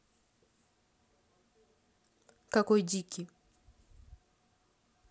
какой дикий